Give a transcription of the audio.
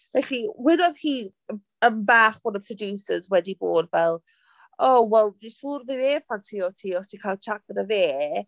Felly, wedodd hi'n 'mbach bod y producers wedi bod fel "O, wel, dwi'n siŵr fydd e'n ffansïo ti os ti'n cael chat gyda fe.